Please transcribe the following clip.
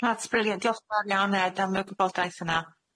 That's brilliant diolch yn fawr iawn Ed am y gwybodaeth yna.